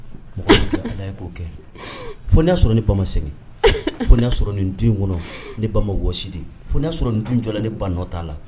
Ala e k'o kɛ fo n'a y'a sɔrɔ ne ba ma sɛgɛn fo n'a y'a sɔrɔ nin dun in kɔnɔ ne ba ma wɔsi de fo n'a y'a sɔrɔ nin dun in jɔli la ne ba nɔ t'a la